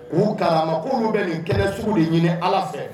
K'u kalen a la k'olu bɛ nin kɛnɛ sugu de ɲini Ala fɛ